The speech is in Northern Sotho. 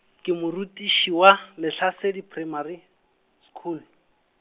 ke morutiši wa, Lehlasedi Primary, School.